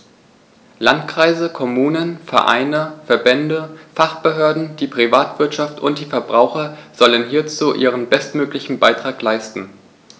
Landkreise, Kommunen, Vereine, Verbände, Fachbehörden, die Privatwirtschaft und die Verbraucher sollen hierzu ihren bestmöglichen Beitrag leisten.